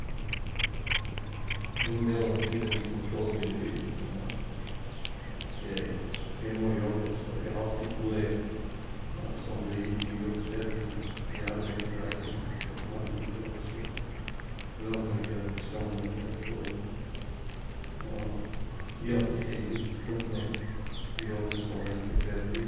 En del av tiden selvfølgelig jeg jeg må jobbe, så det er alltid noe som ble ikke gjort ferdig i arbeidsdagene, så man bruker også lørdager og søndager for å hjelpe seg litt med jobben som er ikke ferdig.